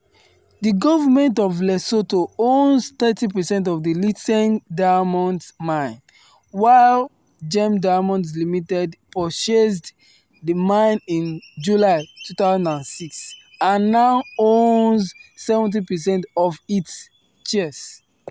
The government of Lesotho owns 30 percent of the Letšeng Diamonds Mine, while Gem Diamonds Limited purchased the mine in July 2006 and now owns 70 percent of its shares.